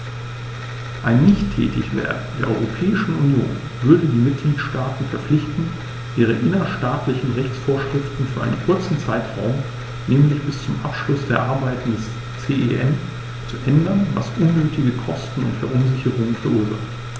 Ein Nichttätigwerden der Europäischen Union würde die Mitgliedstaten verpflichten, ihre innerstaatlichen Rechtsvorschriften für einen kurzen Zeitraum, nämlich bis zum Abschluss der Arbeiten des CEN, zu ändern, was unnötige Kosten und Verunsicherungen verursacht.